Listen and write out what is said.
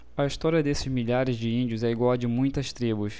a história desses milhares de índios é igual à de muitas tribos